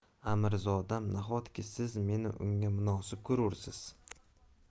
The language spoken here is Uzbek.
amirzodam nahotki siz meni unga munosib ko'rursiz